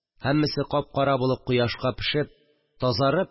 Һәммәсе кап-кара булып кояшка пешеп, тазарып